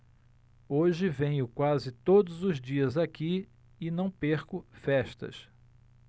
hoje venho quase todos os dias aqui e não perco festas